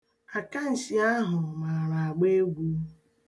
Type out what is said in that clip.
Akanshi ahụ maara agba egwu.